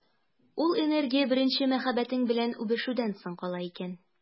Ул энергия беренче мәхәббәтең белән үбешүдән соң кала икән.